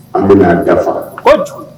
An bɛ n'a dafa. kojugu!